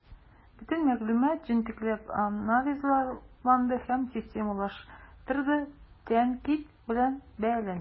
Бөтен мәгълүмат җентекләп анализланды һәм системалаштырылды, тәнкыйть белән бәяләнде.